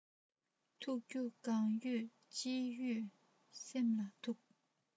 ཐུག རྒྱུ གང ཡོད ཅི ཡོད སེམས ལ ཐུག